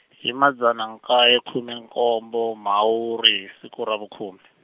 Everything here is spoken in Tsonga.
hi madzana nkaye khume nkombo Mhawuri hi siku ra vukhume.